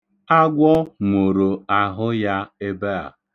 Agwọ nworo ahụ ya ebe a.